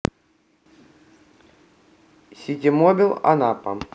ситимобил анапа